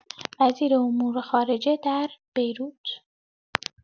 وزیر امور خارجه در بیروت